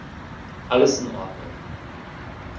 Alles in Ordnung.